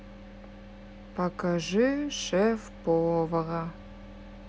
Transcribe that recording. покажи шеф повара